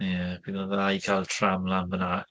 Ie, bydd o'n dda i cael tram lan fan'na.